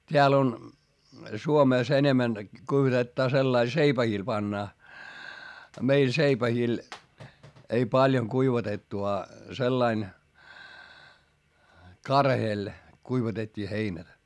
täällä on Suomessa enemmän kuivatetaan sillä lailla seipäille pannaan a meillä seipäillä ei paljon kuivatettu a sellainen karheella kuivatettiin heinä